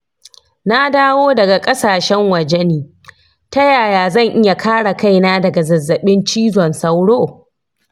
na dawo daga ƙasashen waje ne. ta yaya zan iya kare kaina daga zazzabin cizon sauro?